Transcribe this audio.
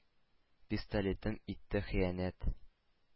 Пистолетым итте хыянәт!